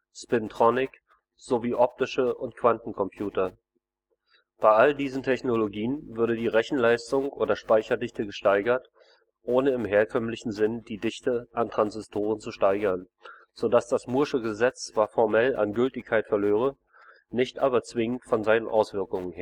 Spintronik sowie optische und Quantencomputer. Bei all diesen Technologien würde die Rechenleistung oder Speicherdichte gesteigert, ohne im herkömmlichen Sinn die Dichte an Transistoren zu steigern, sodass das mooresche Gesetz zwar formell an Gültigkeit verlöre, nicht aber zwingend von seinen Auswirkungen